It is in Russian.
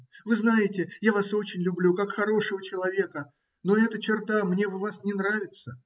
Вы знаете, я вас очень люблю, как хорошего человека, но эта черта мне в вас не нравится.